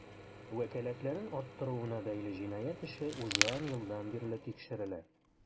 Вәкаләтләрен арттыруына бәйле җинаять эше узган елдан бирле тикшерелә.